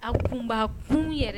A kun b'a kun yɛrɛ